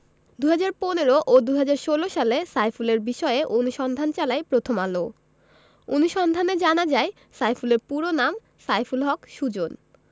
২০১৫ ও ২০১৬ সালে সাইফুলের বিষয়ে অনুসন্ধান চালায় প্রথম আলো অনুসন্ধানে জানা যায় সাইফুলের পুরো নাম সাইফুল হক সুজন